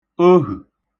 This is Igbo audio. ohə̀